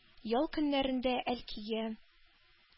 Ял көннәрендә әлкигә,